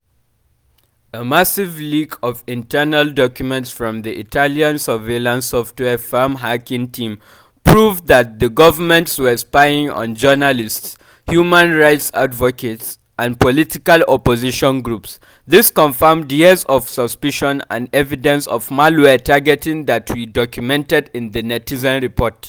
A massive leak of internal documents from the Italian surveillance software firm Hacking Team proved that governments were spying on journalists, human rights advocates, and political opposition groups — this confirmed years of suspicion and evidence of malware targeting that we documented in the Netizen Report.